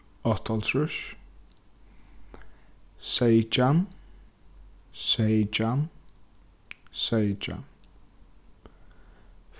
áttaoghálvtrýss seytjan seytjan seytjan